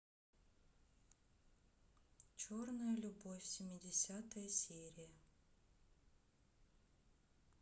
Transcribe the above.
черная любовь семидесятая серия